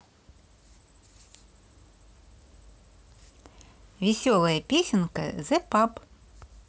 веселая песенка the pub